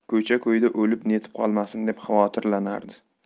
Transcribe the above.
ko'cha ko'yda o'lib netib qolmasin deb xavotirlanardi